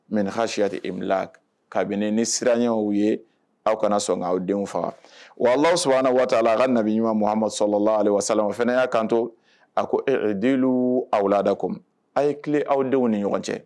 Mɛ ha siya kuyate ela kabini ni siranya ye aw kana sɔn awaw denw faga wa sɔrɔ waa la ka nabi ɲuman mamadu sɔrɔla ale wa sala o fana y'a kanto a ko den aw lada ko a ye tile aw denw ni ɲɔgɔn cɛ